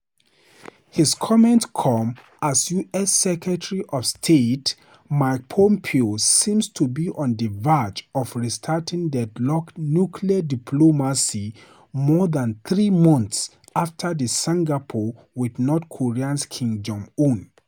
His comments come as US. Secretary of State Mike Pompeo seems to be on the verge of restarting deadlocked nuclear diplomacy more than three months after the Singapore with North Korea's Kim Jong Un.